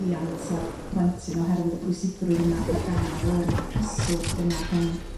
rhiant a'r plentyn oherwydd y pwysigrwydd yna o ga'l yr cyswllt yna rhwng